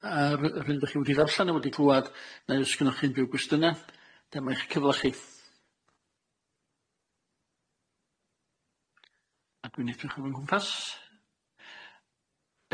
Yy ry- yy ry'n dach chi wedi ddarllan a wedi clwad nai os gynnoch chi unryw gwestiyne dyma'i'ch cyflechi a dwi'n edrych ar fy ngwmpas.